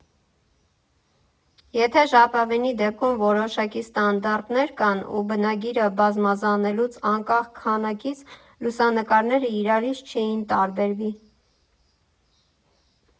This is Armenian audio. Եթե ժապավենի դեպքում որոշակի ստանդարտներ կան, ու բնագիրը բազմացնելուց, անկախ քանակից, լուսանկարները իրարից չէին տարբերվի։